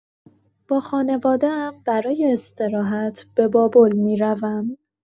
با خانواده‌ام برای استراحت به بابل می‌روم.